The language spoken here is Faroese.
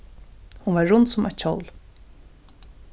hon var rund sum eitt hjól